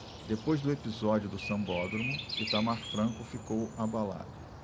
depois do episódio do sambódromo itamar franco ficou abalado